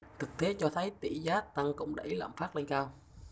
thực tế cho thấy tỷ giá tăng cũng đẩy lạm phát lên cao